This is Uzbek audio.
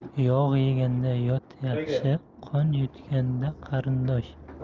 yog' yeganda yot yaxshi qon yutganda qarindosh